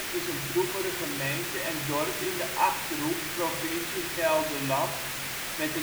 is een vroegere gemeente en dorp in de Achterhoek, provincie Gelderland. Het